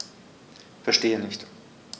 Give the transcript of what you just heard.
Verstehe nicht.